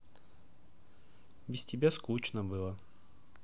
без тебя скучно было